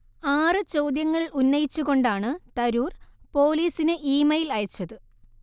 ആറ് ചോദ്യങ്ങൽ ഉന്നയിച്ചുകൊണ്ടാണ് തരൂർ പോലീസിന് ഇമെയ്ൽ അയച്ചത്